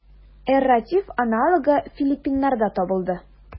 Эрратив аналогы филиппиннарда табылды.